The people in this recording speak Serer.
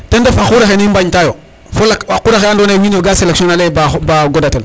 ten ref xa quraxene i mbañta yo fo xa quraxe adno naye wiin we ga selectionner el e ba ba godatel